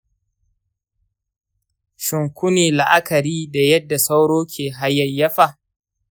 shin kuni la; akari da yadda sauro ke hayayyafa?